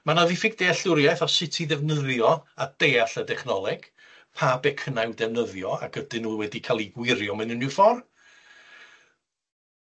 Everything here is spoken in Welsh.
Ma' 'na ddiffyg dealltwriaeth o sut i ddefnyddio a deall y dechnoleg pa becynna i'w defnyddio ac ydyn nw wedi ca'l 'u gwirio mewn unryw ffor.